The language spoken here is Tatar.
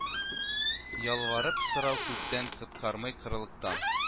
ЯЛВАРЫП СОРАУ КҮКТӘН - КОТКАРМЫЙ КОРЫЛЫКТАН